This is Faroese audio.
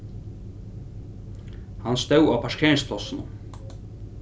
hann stóð á parkeringsplássinum